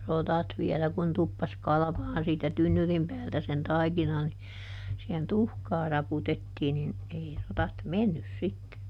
rotat vielä kun tuppasi kalvamaan siitä tynnyrin päältä sen taikina niin siihen tuhkaa raputettiin niin ei rotat mennyt sitten